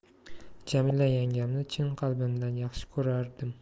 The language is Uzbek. jamila yangamni chin qalbimdan yaxshi ko'rardim